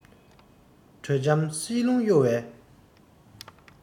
དྲོད འཇམ བསིལ རླུང གཡོ བའི